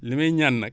li may ñaan nag